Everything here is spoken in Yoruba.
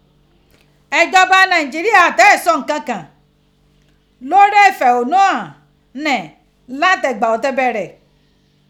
Ìjọba Naijiria ti i ṣo nkankan lori ifẹhonuhan ni lati igba o ti bẹrẹ.